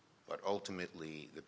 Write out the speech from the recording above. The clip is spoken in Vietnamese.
bất o từn nết ly giờ